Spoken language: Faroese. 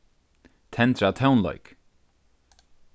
tendra tónleik